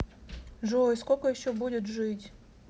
джой сколько еще будет жить